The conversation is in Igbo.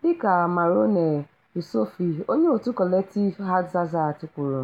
Dịka Marouane Youssoufi, onye òtù Collectif Hardzazat kwuru.